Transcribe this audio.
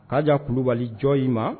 K kaa diya kubalijɔ i ma